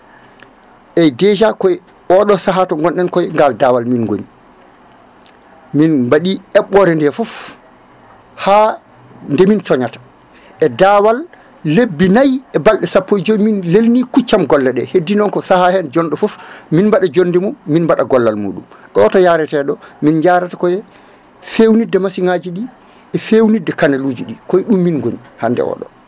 eyyi déjà koye oɗo saaha to gonɗen koye ngal daawal min goni min mbaɗi heeɓore nde foof ha ndemin cooñata e daawal lebbi nayyi e balɗe sappo jooyi min lelni kuccam golle ɗe heddi noon ko saaha hen jonɗo fofoof min mbaɗa jonde mum min mbaɗa gollal muɗum o to yareteɗo min jarata koye fewnitde machine aji ɗi e fewnitde kanaluji ɗi koye ɗum min goni hande oɗo